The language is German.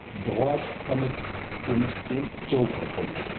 Brork-Comic Joker-Comic